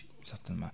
certainement